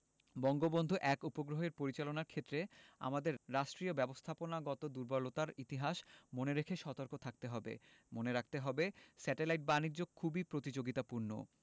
বঙ্গবন্ধু ১ উপগ্রহের পরিচালনার ক্ষেত্রে আমাদের রাষ্ট্রীয় ব্যবস্থাপনাগত দূর্বলতার ইতিহাস মনে রেখে সতর্ক থাকতে হবে মনে রাখতে হবে স্যাটেলাইট বাণিজ্য খুবই প্রতিযোগিতাপূর্ণ